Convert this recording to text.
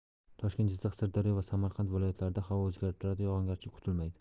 toshkent jizzax sirdaryo va samarqand viloyatlarida havo o'zgarib turadi yog'ingarchilik kutilmaydi